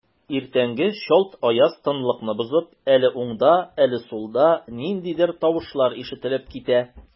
Иртәнге чалт аяз тынлыкны бозып, әле уңда, әле сулда ниндидер тавышлар ишетелеп китә.